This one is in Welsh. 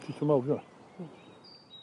Titw mawr yw w'a. Hmm.